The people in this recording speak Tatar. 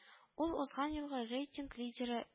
Ул узган елгы рейтинг лидеры